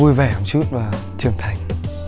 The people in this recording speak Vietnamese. vui vẻ một chút và trưởng thành